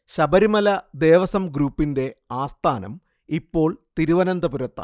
ശബരിമല ദേവസ്വം ഗ്രൂപ്പിന്റെ ആസ്ഥാനം ഇപ്പോൾ തിരുവനന്തപുരത്താണ്